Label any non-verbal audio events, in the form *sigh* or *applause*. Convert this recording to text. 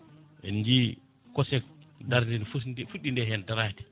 en jii ko Seck darde nde *hesitation* fuɗɗi nde hen darade